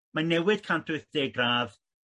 mae'n newid cant wyth deg gradd